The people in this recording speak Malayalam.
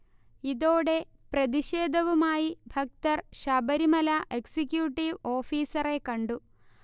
ഇതോടെ പ്രതിഷേധവുമായി ഭക്തർ ശബരിമല എക്സിക്യൂട്ടീവ് ഓഫീസറെ കണ്ടു